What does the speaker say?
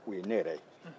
na o ye ne yɛrɛ ye